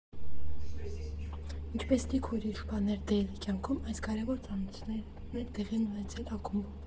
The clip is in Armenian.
Ինչպես լիքը ուրիշ բաներ Դեյլի կյանքում, այս կարևոր ծանոթություններն էլ տեղի են ունեցել ակումբում։